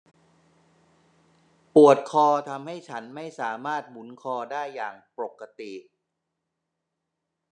ปวดคอทำให้ฉันไม่สามารถหมุนคอได้อย่างปกติ